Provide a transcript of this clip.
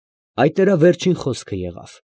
Այդ նրա վերջին խոսքն եղավ։